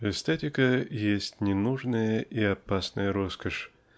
Эстетика есть ненужная и опасная роскошь